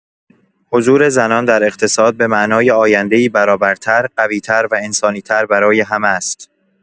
حضور زنان در اقتصاد به معنای آینده‌ای برابرتر، قوی‌تر و انسانی‌تر برای همه است.